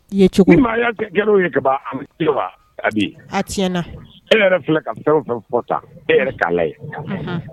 Jeliw ti e yɛrɛ filɛ ka fɛn fɛn fɔ tan e' ye